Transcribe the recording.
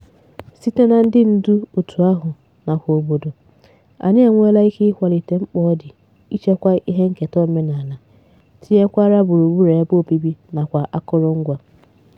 Site na ndị ndu òtù ahụ nakwa obodo, anyị enweela ike ịkwalite mkpa ọ dị ichekwa ihe nketa omenala, tinyekwara gburugburu ebe obibi nakwa akụrụngwa.